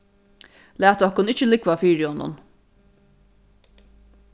lat okkum ikki lúgva fyri honum